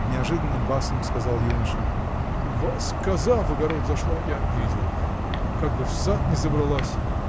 — неожиданно басом сказал юноша, — у вас коза в огород зашла — я видел! Как бы в сад не забралась!